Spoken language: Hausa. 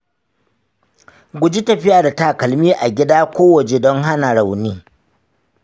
guji tafiya ba takalmi a gida ko waje don hana rauni.